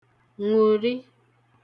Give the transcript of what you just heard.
ṅụ̀ri